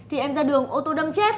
thì em ra đường ô tô đâm chết